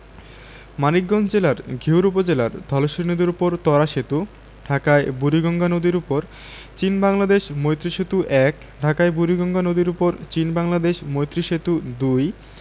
মানিকগঞ্জ জেলার ঘিওর উপজেলায় ধলেশ্বরী নদীর উপর ত্বরা সেতু ঢাকায় বুড়িগঙ্গা নদীর উপর চীন বাংলাদেশ মৈত্রী সেতু ১ ঢাকায় বুড়িগঙ্গা নদীর উপর চীন বাংলাদেশ মৈত্রী সেতু ২